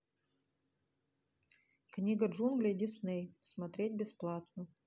книга джунглей дисней смотреть бесплатно